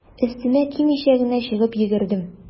Өстемә кимичә генә чыгып йөгердем.